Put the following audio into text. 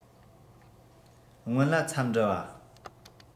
སྔོན ལ འཚམས འདྲི པ